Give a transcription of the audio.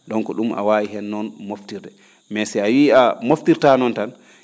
donc ?um a waawi heen noon moftirde mais si a wiyii a moftirtaa noon tan